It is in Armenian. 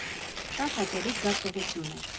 Շատ հաճելի զգացողություն էր։